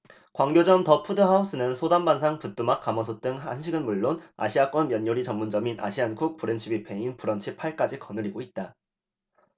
광교점 더 푸드 하우스는 소담반상 부뚜막 가마솥 등 한식은 물론 아시아권 면 요리 전문점인 아시안쿡 브런치뷔페인 브런치 팔 까지 거느리고 있다